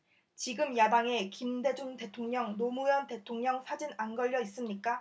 지금 야당에 김대중 대통령 노무현 대통령 사진 안 걸려 있습니까